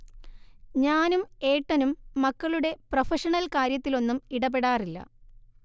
ഞാനും ഏട്ടനും മക്കളുടെ പ്രൊഫഷണൽ കാര്യത്തിലൊന്നും ഇടപെടാറില്ല